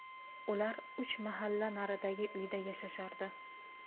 ular uch mahalla naridagi uyda yashashardi